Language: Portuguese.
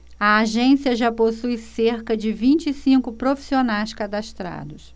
a agência já possui cerca de vinte e cinco profissionais cadastrados